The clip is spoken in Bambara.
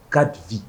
Ka dibi